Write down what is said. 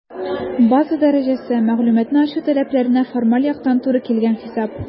«база дәрәҗәсе» - мәгълүматны ачу таләпләренә формаль яктан туры килгән хисап.